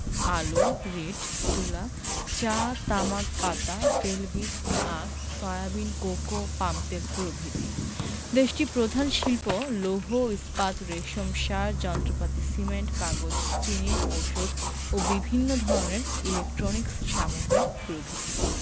আলু রীট তুলা চা তামাক পাতা তেলবীজ আখ সয়াবিন কোকো পামতেল প্রভৃতি দেশটির প্রধান শিল্প লৌহ ইস্পাত রেশম সার যন্ত্রপাতি সিমেন্ট কাগজ চিনি ঔষধ ও বিভিন্ন ধরনের ইলেকট্রনিক্স সামগ্রী প্রভ্রিতি